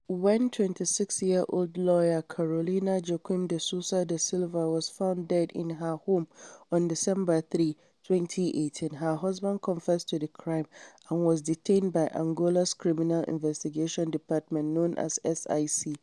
When 26-year-old lawyer Carolina Joaquim de Sousa da Silva was found dead in her home on December 3, 2018, her husband confessed to the crime and was detained by Angola's criminal investigation department known as SIC.